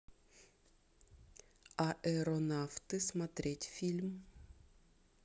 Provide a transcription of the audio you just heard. аэронавты смотреть фильм